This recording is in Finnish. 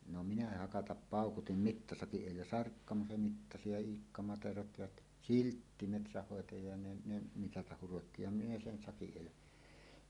no minä hakata paukutin mittasakin edellä Sarkkama se mittasi ja Iikka Materot ja Siltti metsänhoitaja ja ne ne mitata hurotti ja minä sen sakin edellä